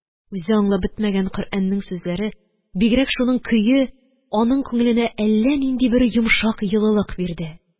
Үзе аңлап бетмәгән Коръәннең сүзләре, бигрәк шуның көе аның күңеленә әллә нинди бер йомшак йылылык бирде